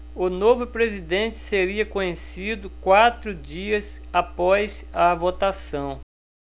o novo presidente seria conhecido quatro dias após a votação